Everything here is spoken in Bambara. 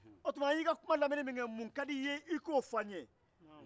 min ka di i ye o fɔ an ye